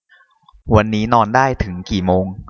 วันนี้นอนได้ถึงกี่โมง